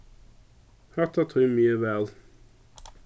hatta tími eg væl